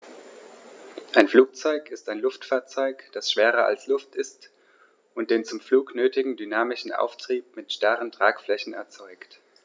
Ein Flugzeug ist ein Luftfahrzeug, das schwerer als Luft ist und den zum Flug nötigen dynamischen Auftrieb mit starren Tragflächen erzeugt.